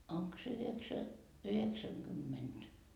onko se - yhdeksänkymmentä